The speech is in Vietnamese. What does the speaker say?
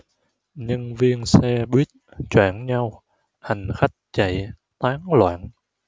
nhân viên xe buýt choảng nhau hành khách chạy tán loạn